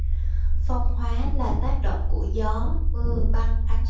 phong hóa là tác động của gió mưa băng ánh